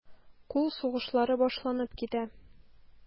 Кул сугышлары башланып китә.